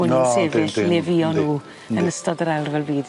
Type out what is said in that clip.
Bo' nw'n sefyll le fuon nw yn ystod yr Ail Ryfel Byd.